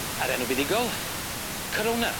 A'r enw buddugol? Corona.